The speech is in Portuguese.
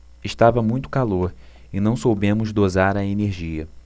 estava muito calor e não soubemos dosar a energia